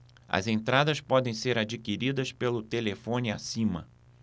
as entradas podem ser adquiridas pelo telefone acima